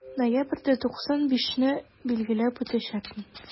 Ноябрьдә 95 не билгеләп үтәчәкмен.